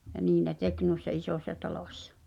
ja niin ne teki noissa isossa talossa